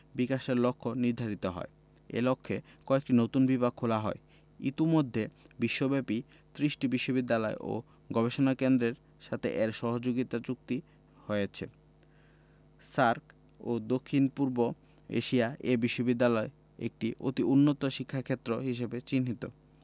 বিকাশের লক্ষ্য নির্ধারিত হয় এ লক্ষ্যে কয়েকটি নতুন বিভাগ খোলা হয় ইতোমধ্যে বিশ্বব্যাপী ত্রিশটি বিশ্ববিদ্যালয় ও গবেষণা কেন্দ্রের সাথে এর সহযোগিতা চুক্তি হয়েছে SAARC ও দক্ষিণ পূর্ব এশিয়ায় এ বিশ্ববিদ্যালয় একটি অতি উন্নত শিক্ষাক্ষেত্র হিসেবে চিহ্নিত